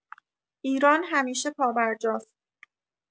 ایران همیشه پابرجاست.